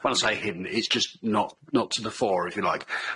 When I say hidden it's just not not to the fore if you like.